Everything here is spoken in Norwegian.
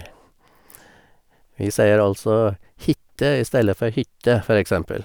Vi sier altså hitte istedenfor hytte, for eksempel.